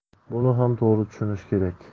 buni ham to'g'ri tushunish kerak